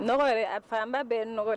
N a' bɛ n nɔgɔ